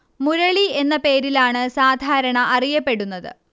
മുരളി എന്ന പേരിലാണ് സാധാരണ അറിയപ്പെടുന്നത്